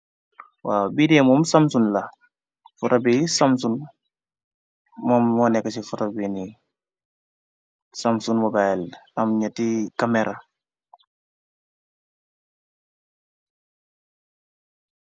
Waw bide moom samsun la, fotobi samsun moom, moo nekk ci foto bini samsun, Samsun mobayel am ñati kamera.